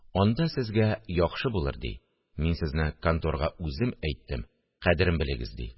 Анда сезгә яхшы булыр, ди, мин сезне конторга үзем әйттем, кадерен белегез, ди